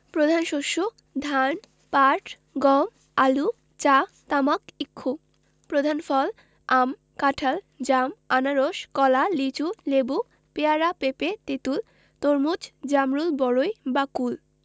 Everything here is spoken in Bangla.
প্রধান শস্যঃ ধান পাট গম আলু চা তামাক ইক্ষু প্রধান ফলঃ আম কাঁঠাল জাম আনারস কলা লিচু লেবু পেয়ারা পেঁপে তেঁতুল তরমুজ জামরুল বরই বা কুল